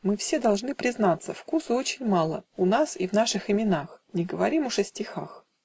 Мы все должны Признаться: вкусу очень мало У нас и в наших именах (Не говорим уж о стихах)